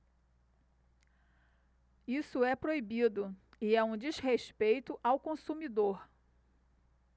isso é proibido e é um desrespeito ao consumidor